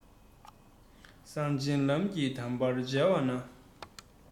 གསང ཆེན ལམ གྱི གདམས པར མཇལ བ ན